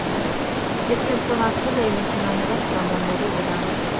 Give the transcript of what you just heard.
Ես կենտրոնացել էի մեքենաներով ծամոնների վրա։